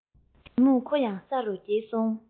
དེ མུར ཁོ ཡང ས རུ འགྱེལ སོང